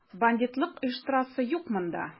Бандитлык оештырасы юк монда!